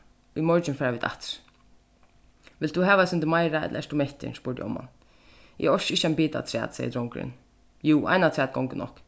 í morgin fara vit aftur vilt tú hava eitt sindur meira ella ert tú mettur spurdi omman eg orki ikki ein bita afturat segði drongurin jú ein afturat gongur nokk